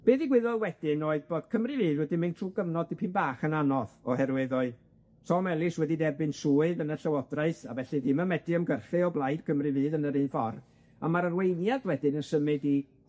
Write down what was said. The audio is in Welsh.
Be' ddigwyddodd wedyn oedd bod Cymru Fydd wedi mynd trw gyfnod dipyn bach yn anodd oherwydd oedd Tom Ellis wedi derbyn swydd yn y llywodraeth a felly ddim yn medru ymgyrchu o blaid Cymru Fydd yn yr un ffor a ma'r arweiniad wedyn yn symud i